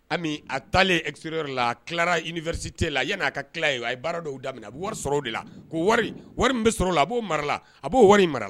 A taalen eg la tilarari tɛ la yan n'a ka tila o a ye baara' daminɛ a bɛ wari sɔrɔ o de la ko wari wari min bɛ sɔrɔ la a b'o marala a b'o wari mara la